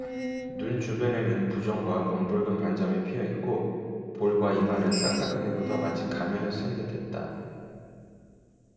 눈 주변에는 부종과 검붉은 반점이 피어 있고 볼과 이마는 딱딱하게 굳어 마치 가면을 쓴 듯했다